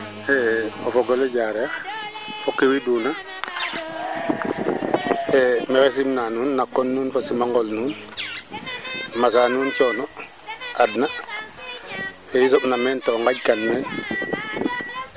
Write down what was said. yaam maak we ne ina meen o kiin o farluwa nga ka leyoogu ye teno koy no kaa wetan wuuma ten refu yee yaaga maaca ngoxel i miis kanga boo ngar